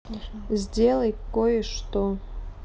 сделай кое что